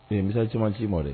Ee misa camanma ci ma dɛ